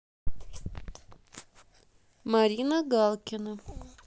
марина галкина